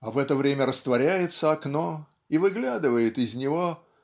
а в это время растворяется окно и выглядывает из него.